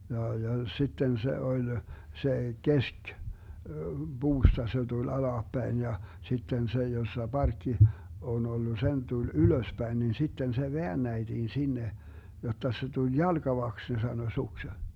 ja ja sitten se oli se - puusta se tuli alaspäin ja sitten se jossa parkki on ollut sen tuli ylöspäin niin sitten se väännettiin sinne jotta se tuli jalkavaksi ne sanoi suksen